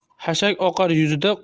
xashak oqar yuzida